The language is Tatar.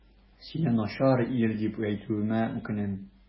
Сине начар ир дип әйтүемә үкенәм.